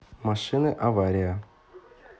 машины авария